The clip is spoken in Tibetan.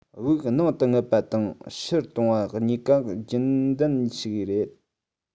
དབུགས ནང དུ རྔུབ པ དང ཕྱིར གཏོང བ གཉིས ཀ རྒྱུན ལྡན ཞིག བྱེད